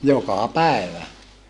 joka päivä